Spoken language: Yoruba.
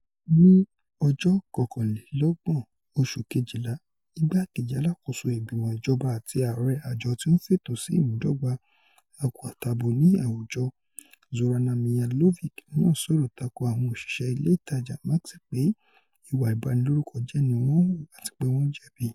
Ní 31 oṣù kejìlá, Igbá-kejì Alákòóso Ìgbìmọ̀ Ìjọba àti Ààrẹ Àjọ-tí-ó-ń-fètò-sí Ìmúdọ́gba Akọ-àtabo ní àwùjọ, Zorana Mihajlović náà sọ̀rọ̀ tako àwọn òṣìṣẹ́ ilé ìtajà Maxi pé “ìwà ìbanilórúkọjẹ́ ni wọ́n hù àti pé wọ́n jẹ̀bi.